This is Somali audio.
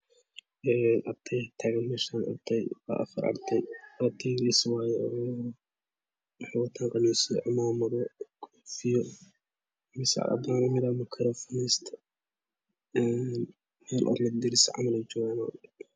Een ardayaa taagan meeshaan waa afar arday arday yaris ah waaye waxay wataan qamiisyo cimaamado koofiyo mid socdo midaa makaroofan haysto een meel oo madaraso camal ah eey jogaan